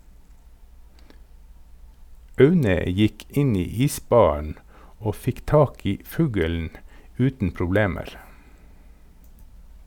Aune gikk inn i isbaren og fikk tak i fuglen uten problemer.